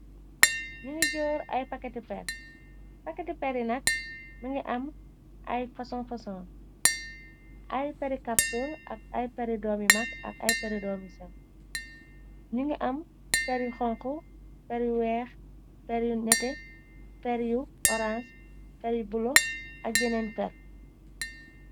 Ñi ngi jóor ay pakati peer, paketi peri nak mi ngi am ay fason fason, ay peri capsul ak ay peri doomi mag, ak ay peri doomi sew, ñu ngi am peryu xonxu, per yu weex, per yu nete, per yu orange, peryu bula, ak yeneen per.